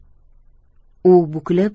u bukilib